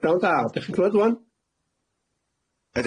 Pnawn da, ydach chi'n clwad 'ŵan?